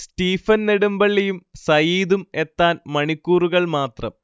Stephen നെടുമ്ബളളിയും സയീദും എത്താൻ മണിക്കൂറുകൾ മാത്രം